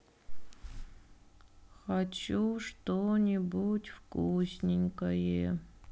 хочу что нибудь вкусненькое